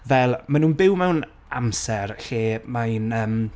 Fel, mae'n nhw'n byw mewn amser lle mae'n, yym,